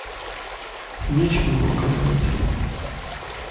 нечем его кормить